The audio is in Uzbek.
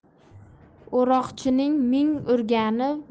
o'roqchining ming urgani